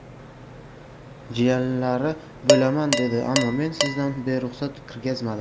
jiyanlari bo'laman dedi ammo men sizdan beruxsat kirgazmadim